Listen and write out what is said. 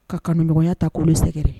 Ka kanuya ta kolo sɛgɛrɛ